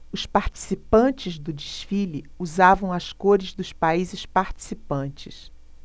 os participantes do desfile usavam as cores dos países participantes